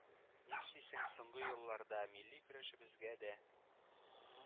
Нишлисең, соңгы елларда милли көрәшебезгә дә,